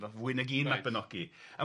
ma' fwy nag un Mabinogi reit.